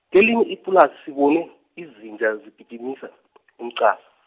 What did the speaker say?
kelinye ipulasi sibona, izinja zigijimisa , umqasa.